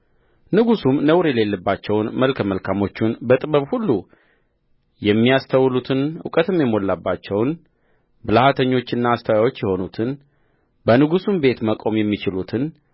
ንጉሡም ነውር የሌለባቸውንና መልከ መልካሞቹን በጥበብ ሁሉ የሚያስተውሉትን እውቀትም የሞላባቸውን ብልሃተኞችና አስተዋዮች የሆኑትን በንጉሡም ቤት መቆም የሚችሉትን